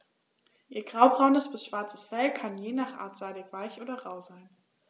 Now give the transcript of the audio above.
Ihr graubraunes bis schwarzes Fell kann je nach Art seidig-weich oder rau sein.